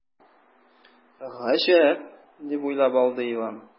“гаҗәп”, дип уйлап алды иван.